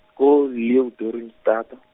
ko Leeudoringstad.